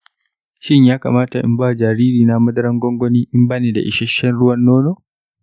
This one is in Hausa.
shin ya kamata in ba jaririna madarar gwangwani idan ba ni da isasshen ruwan nono?